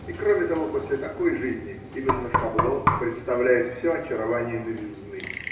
И, кроме того, после такой жизни именно шаблон представляет все очарование новизны.